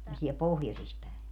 se on siellä pohjoisissa päin